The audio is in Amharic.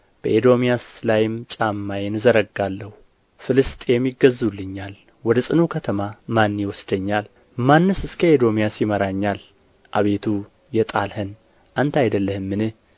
በኤዶምያስ ላይም ጫማዬን እዘረጋለሁ ፍልስጥኤም ይገዙልኛል ወደ ጽኑ ከተማ ማን ይወስደኛል ማንስ እስከ ኤዶምያስ ይመራኛል አቤቱ የጣልኸኝ አንተ አይደለህምን